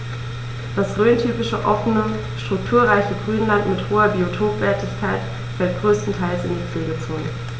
Das rhöntypische offene, strukturreiche Grünland mit hoher Biotopwertigkeit fällt größtenteils in die Pflegezone.